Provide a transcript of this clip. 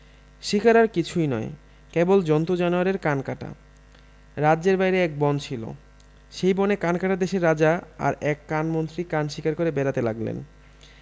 শিকার আর কিছুই নয় কেবল জন্তু জানোয়ারের কান কাটা রাজ্যের বাইরে এক বন ছিল সেই বনে কানকাটা দেশের রাজা আর এক কান মন্ত্রী কান শিকার করে বেড়াতে লাগলেন